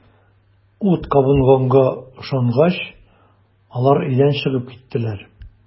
Ут кабынганга ышангач, алар өйдән чыгып киттеләр.